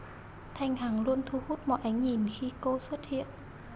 thanh hằng luôn thu hút mọi ánh nhìn khi cô xuất hiện